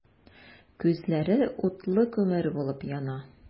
Күзләре утлы күмер булып яна.